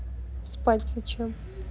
спать зачем